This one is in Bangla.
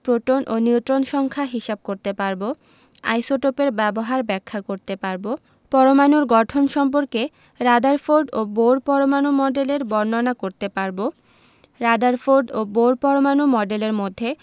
প্রোটন ও নিউট্রন সংখ্যা হিসাব করতে পারব আইসোটোপের ব্যবহার ব্যাখ্যা করতে পারব পরমাণুর গঠন সম্পর্কে রাদারফোর্ড ও বোর পরমাণু মডেলের বর্ণনা করতে পারব রাদারফোর্ড ও বোর পরমাণু মডেলের মধ্যে